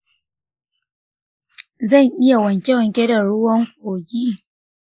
zan iya wanke-wanke da ruwan kogi?